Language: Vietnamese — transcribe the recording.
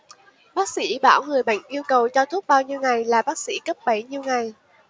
bác sĩ bảo người bệnh yêu cầu cho thuốc bao nhiêu ngày là bác sĩ cấp bấy nhiêu ngày